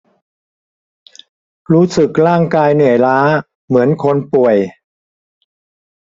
รู้สึกร่างกายเหนื่อยล้าเหมือนคนป่วย